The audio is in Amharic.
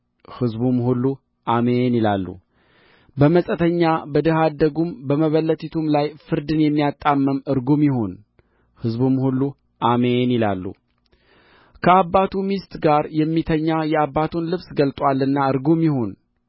ሕዝቡም ሁሉ አሜን ይላሉ በመጻተኛ በድሀ አደጉም በመበለቲቱም ላይ ፍርድን የሚያጣምም ርጉም ይሁን ሕዝቡም ሁሉ አሜን ይላሉ ከአባቱ ሚስት ጋር የሚተኛ የአባቱን ልብስ ገልጦአልና ርጉም ይሁን